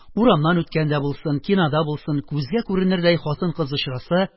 Урамнан үткәндә булсын, кинода булсын, күзгә күренердәй хатын-кыз очраса